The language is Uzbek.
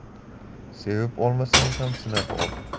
sevib olmasang ham sinab ol